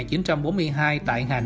chín trăm bốn mươi hai tại hà